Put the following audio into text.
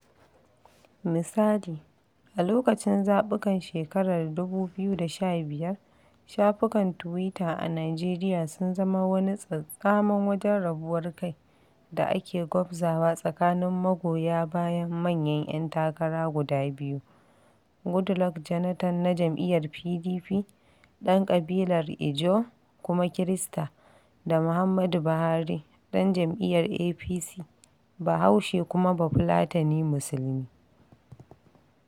Misali, a lokacin zaɓukan shekarar 2015, shafukan tuwita a Nijeriya sun zama wani tsattsaman wajen rabuwar kai da ake gwabzawa tsakanin magoya bayan manyan 'yan takara guda biyu, Goodluck Jonathan (na jam'iyyar PDP, ɗan ƙabilar Ijaw kuma Kirista) da Muhammadu Buhari (ɗan jam'iyyar APC, Bahaushe kuma Bafulatani Musulmi).